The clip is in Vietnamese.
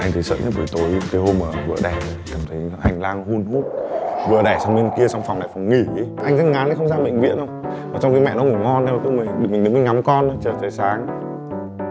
anh thì sợ nhất buổi tối cái hôm ờ vợ đẻ cảm thấy hành lang hun hút vừa đẻ xong bên kia xong phòng này phòng nghỉ anh có ngán cái không gian bệnh viện không trong khi mẹ nó ngủ ngon xong mình đứng mình ngắm con chờ trời sáng